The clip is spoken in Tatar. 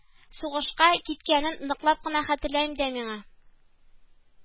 Сугышка киткәнен ныклап кына хәтерләмим дә миңа